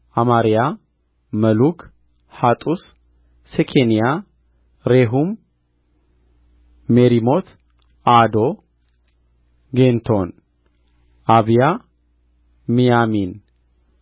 አማርያ መሉክ ሐጡስ ሴኬንያ ሬሁም ሜሪሞት አዶ ጌንቶን አብያ ሚያሚን